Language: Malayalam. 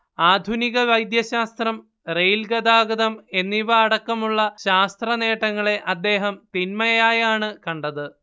ആധുനിക വൈദ്യശാസ്ത്രം റെയിൽ ഗതാഗതം എന്നിവ അടക്കമുള്ള ശാസ്ത്രനേട്ടങ്ങളെ അദ്ദേഹം തിന്മയായാണ് കണ്ടത്